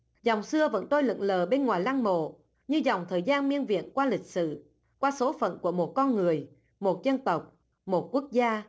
dòng xưa vẫn tôi lượn lờ bên ngoài lăng mộ như dòng thời gian miêng việt qua lịch sử qua số phận của một con người một dân tộc một quốc gia